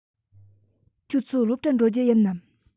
ཁྱོད ཚོ སློབ གྲྭར འགྲོ རྒྱུ ཡིན ནམ